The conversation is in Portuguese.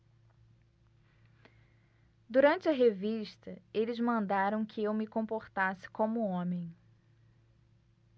durante a revista eles mandaram que eu me comportasse como homem